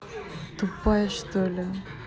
тупая что ли